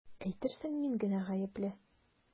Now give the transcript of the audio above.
Әйтерсең мин генә гаепле!